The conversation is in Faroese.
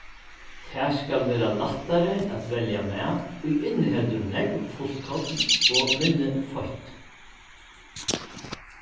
tað skal vera lættari at velja mat ið inniheldur nógv fullkorn og minni feitt